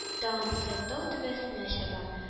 Тагын сөзәк тау түбәсенә чаба